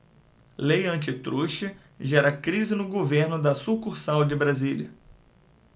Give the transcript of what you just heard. lei antitruste gera crise no governo da sucursal de brasília